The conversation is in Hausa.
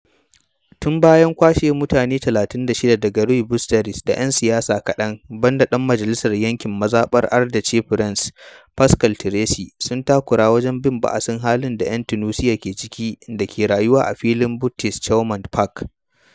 Tun bayan kwashe mutane 36 daga rue Botzaris, da ƴan siyasa kaɗan – banda ɗan majalisar yankin mazaɓar Ardèche French, Pascal Terrasse – sun takura wajen bin baasin halin da ‘yan Tunisiya ke ciki da ke rayuwa a filin Buttes Chaumont Park.